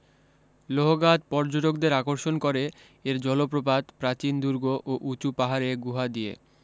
লোহগাদ পর্যটকদের আকর্ষণ করে এর জলপ্রপাত প্রাচীন দুর্গ ও উচু পাহাড়ে গূহা দিয়ে